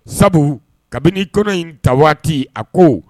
Sabu kabini kɔnɔ in ta waati a ko